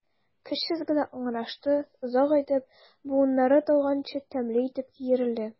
Көчсез генә ыңгырашты, озак итеп, буыннары талганчы тәмле итеп киерелде.